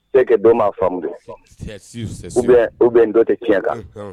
Terikɛdon maa' faamu u bɛn dɔtɛ tiɲɛ kan